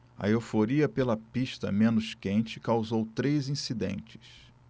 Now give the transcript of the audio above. a euforia pela pista menos quente causou três incidentes